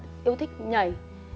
yêu thích nhẩy